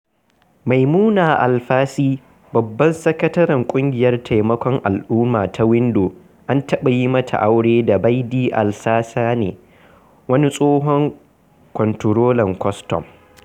Maimouna Alpha Sy, babban sakataren ƙungiyar taimakon al'umma ta Window, an taɓa yi mata aure da Baidy Alassane, wani tsohon kwanturolan kwastam.